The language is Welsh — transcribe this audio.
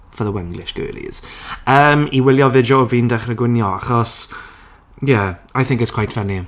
For the Wenglish girlies. Yym, i wylio fideo o fi'n dechrau gwnïo, achos yeah, I think it's quite funny.